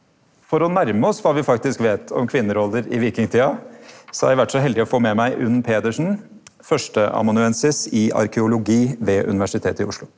for å nærma oss kva vi faktisk veit om kvinneroller i vikingtida så er eg vore så heldig å få med meg Unn Pedersen førsteamanuensis i arkeologi ved Universitetet i Oslo.